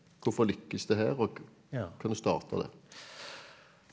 hvorfor lykkes det her og kan du starte der?